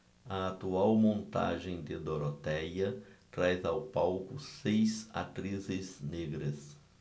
a atual montagem de dorotéia traz ao palco seis atrizes negras